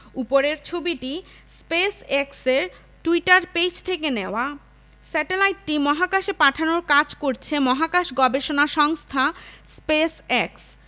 উপরের ছবিটি স্পেসএক্সের টুইটার পেজ থেকে নেওয়া স্যাটেলাইটটি মহাকাশে পাঠানোর কাজ করছে মহাকাশ গবেষণা সংস্থা স্পেসএক্স